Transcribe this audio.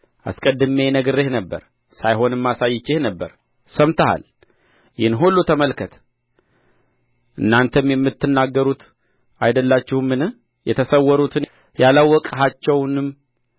አስቀድሜ ነግሬህ ነበር ሳይሆንም አሳይቼህ ነበር ሰምተሃል ይህን ሁሉ ተመልከት እናንተም የምትናገሩት አይደላችሁምን የተሰወሩትን ያላወቅሃቸውንም